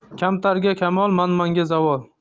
kamtarga kamol manmanga zavol